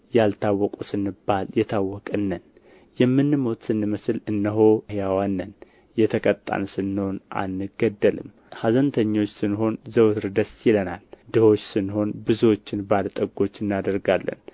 ያልታወቁ ስንባል የታወቅን ነን የምንሞት ስንመስል እነሆ ሕያዋን ነን የተቀጣን ስንሆን አንገደልም ኀዘንተኞች ስንሆን ዘወትር ደስ ይለናል ድሆች ስንሆን ብዙዎችን ባለ ጠጎች እናደርጋለን